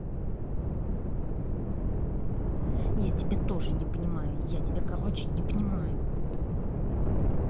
я тебя тоже не понимаю я тебя короче не понимаю